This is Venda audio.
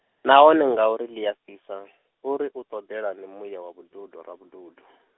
nahone ngauri ḽi a fhisa , uri u ṱoḓelani muya wa vhududu Ravhududo?